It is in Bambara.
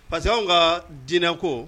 Pa que anw ka diinɛko